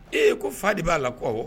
Ee ko fa de b'a la, ko awo.